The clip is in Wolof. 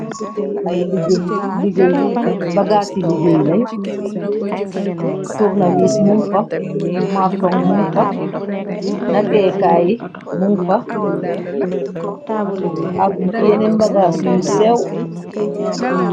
Ay liggéey, liggeey bagaa ci liggéey la tournawis mung fa marto mun fa nateekaay mung fa ak yenee mbagaas yu seew.